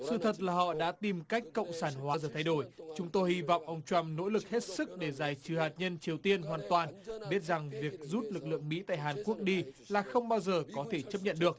sự thật là họ đã tìm cách cộng sản hóa giờ thay đổi chúng tôi hy vọng ông troăm nỗ lực hết sức để giải trừ hạt nhân triều tiên hoàn toàn biết rằng việc rút lực lượng mỹ tại hàn quốc đi là không bao giờ có thể chấp nhận được